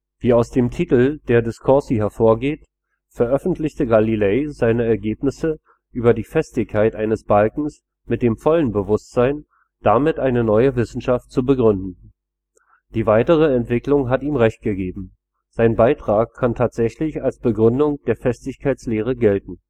Wie aus dem Titel der Discorsi hervorgeht, veröffentlichte Galilei seine Ergebnisse über die Festigkeit eines Balkens mit dem vollen Bewusstsein, damit eine neue Wissenschaft zu begründen. Die weitere Entwicklung hat ihm recht gegeben; sein Beitrag kann tatsächlich als Begründung der Festigkeitslehre gelten